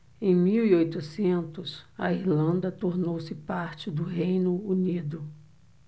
em mil e oitocentos a irlanda tornou-se parte do reino unido